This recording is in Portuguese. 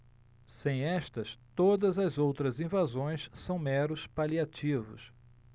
sem estas todas as outras invasões são meros paliativos